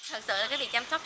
thật